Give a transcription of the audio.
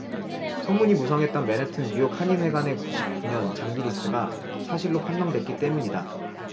소문이 무성했던 맨해튼 뉴욕한인회관의 구십 구 년 장기리스가 사실로 판명됐기때문이다